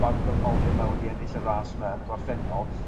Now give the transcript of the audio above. Bauke Mollema wedi ennill y ras mewn gorffennol